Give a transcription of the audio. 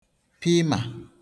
pịmà